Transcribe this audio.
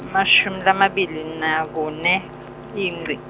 emashumi lamabili nakune, Ingci.